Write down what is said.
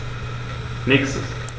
Nächstes.